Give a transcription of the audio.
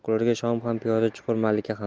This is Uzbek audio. shoh ham piyoda chiqur malika ham